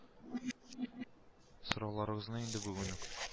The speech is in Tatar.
Сорауларыгызны инде бүген үк